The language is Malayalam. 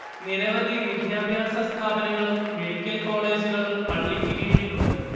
നിരവധി വിദ്യാഭ്യാസ സ്ഥാപനങ്ങളും മെഡിക്കൽ കോളേജുകളും പള്ളിക്ക് കീഴിലുണ്ട്